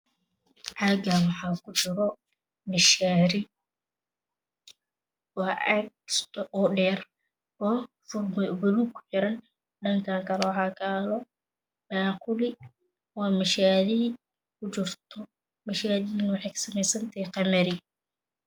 Cagaan waxaa kujiro mishaari waa caag oo kistoo dheer oo fur buluug ah kuxiran dhankaan kale waxaa ka aalo baaquli oo mishaari kujirto mishaaridana waxay ka samaysantahay qamadi